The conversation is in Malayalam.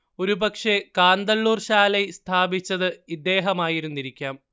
ഒരുപക്ഷേ കാന്തളൂർ ശാലൈ സ്ഥാപിച്ചത് ഇദ്ദേഹമായിരുന്നിരിക്കാം